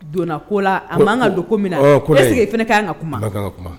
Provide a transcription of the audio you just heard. Donna ko la an b'an ka don min na kose e fana ka kan ka kuma kuma